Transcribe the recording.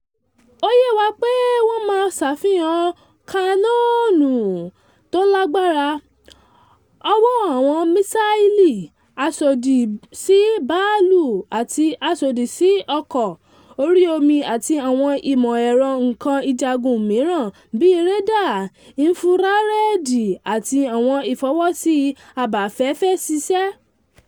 Ó yé wá pé wọ́n máa ṣàfihàn Kanọ́ọ̀nù tó lágbara, ọ̀wọ́ àwọn mísáìlì aṣòdì-sí-bàálù àti aṣòdì-sí-ọkọ̀ orí omi àti àwọn ìmọ̀ ẹ̀rọ nǹka ìjagun mìíràn, bíi rédà, ínfúrárẹ́ẹ̀dì àti àwọn ìfọ́wọ́sí abáfẹfẹ́ṣiṣẹ́.